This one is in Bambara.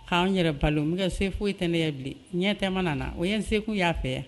K'an yɛrɛ balo ntɛ se foyi tɛ ne ye bilen ɲɛ tɛ na o ye se kun y'a fɛ yan.